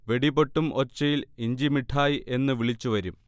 വെടിപൊട്ടും ഒച്ചയിൽ ഇഞ്ചിമിഠായി എന്ന് വിളിച്ച് വരും